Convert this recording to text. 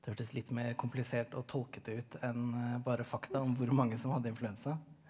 det hørtes litt mer komplisert og tolkete ut enn bare fakta om hvor mange som hadde influensa.